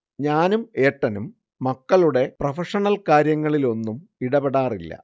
ഞാനും ഏട്ടനും മക്കളുടെ പ്രൊഫഷണൽ കാര്യങ്ങളിലൊന്നും ഇടപെടാറില്ല